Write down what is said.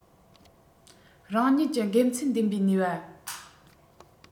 རང ཉིད ཀྱི དགེ མཚན ལྡན པའི ནུས པ